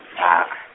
ha a.